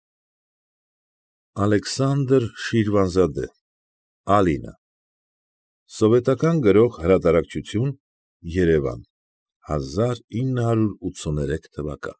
Ալեքսանդր Շիրվանզադե Ալինա սովետական գրող հրատարկչություն երևան հազար ինը հարյուն ութսուներեք թվական։